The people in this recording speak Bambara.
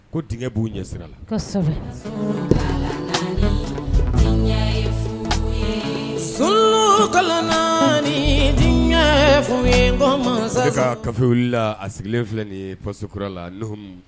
Ko d b'u ɲɛ sira la sun la f ye ko masakɛ ka kafe wulila a sigilen filɛ nin ye paskura la